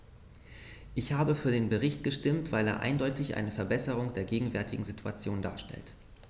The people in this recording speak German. Ich habe für den Bericht gestimmt, weil er eindeutig eine Verbesserung der gegenwärtigen Situation darstellt.